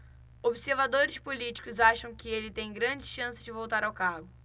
observadores políticos acham que ele tem grandes chances de voltar ao cargo